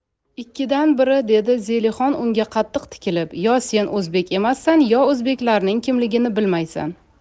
ikkidan biri dedi zelixon unga qattiq tikilib yo sen o'zbek emassan yo o'zbeklarning kimligini bilmaysan